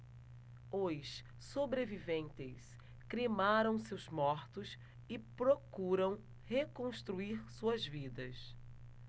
os sobreviventes cremaram seus mortos e procuram reconstruir suas vidas